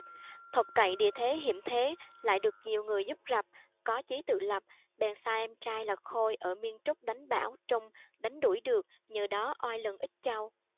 thuật cậy địa thế hiểm thế lại được nhiều người giúp rập có chí tự lập bèn sai em trai là khôi ở miên trúc đánh bảo trung đánh đuổi được nhờ đó oai lừng ích châu